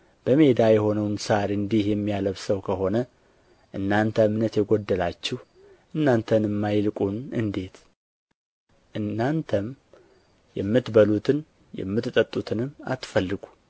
በሜዳ የሆነውን ሣር እንዲህ የሚያለብሰው ከሆነ እናንተ እምነት የጐደላችሁ እናንተንማ ይልቁን እንዴት እናንተም የምትበሉትን የምትጠጡትንም አትፈልጉ